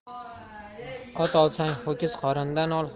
ot olsang ho'kiz qorindan ol